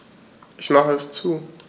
Ich mache es zu.